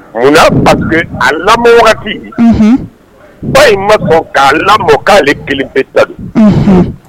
Munna paseke a lamɔ ba in ma fɔ k'a lamɔ kale kelen bɛ ta